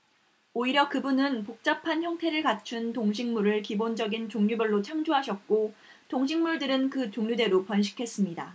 오히려 그분은 복잡한 형태를 갖춘 동식물을 기본적인 종류별로 창조하셨고 동식물들은 그 종류대로 번식했습니다